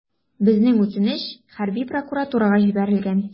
Безнең үтенеч хәрби прокуратурага җибәрелгән.